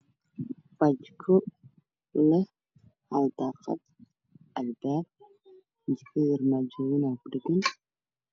Waa jiko leeh hal daaqad albaab jikada alrbajooyin ayaa ku dhegan